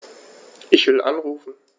Ich will anrufen.